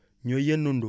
ñooy yendoondoo